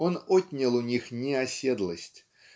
он отнял у них неоседлость